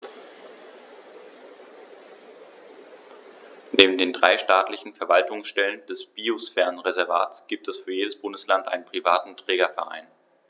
Neben den drei staatlichen Verwaltungsstellen des Biosphärenreservates gibt es für jedes Bundesland einen privaten Trägerverein.